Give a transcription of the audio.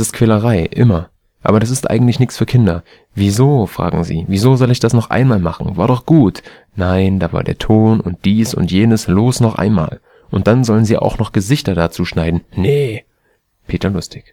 Quälerei, immer. (…) Aber das ist eigentlich nix für Kinder. Wieso, fragen sie, wieso soll ich das noch einmal machen, war doch gut? Nein, da war der Ton, und dies und jenes, los, noch einmal. Und dann sollen sie auch noch Gesichter dazu schneiden. Nee. “– Peter Lustig